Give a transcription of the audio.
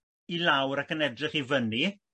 i lawr ac yn edrych i fyny